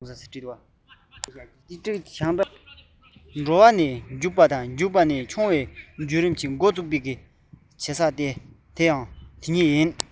འགྲོ བ ནས རྒྱུག པ རྒྱུག པ ནས མཆོང བའི རྒྱུད རིམ གྱི མགོ འཛུགས བྱེད ས ལྟེ བ དེ ཡང འདི ཉིད ཡིན